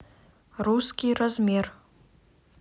русский размер